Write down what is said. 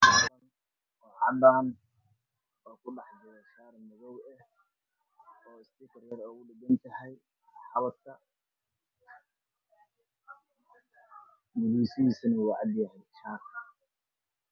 Halkaan waxaa ka muuqdo shaati madaw ah oo ku dhex jiro boombale haaf ah oo cadaan